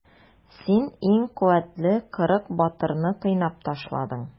Син иң куәтле кырык батырны кыйнап ташладың.